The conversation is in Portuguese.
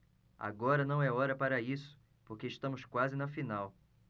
agora não é hora para isso porque estamos quase na final